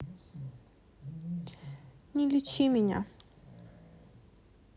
не лечи меня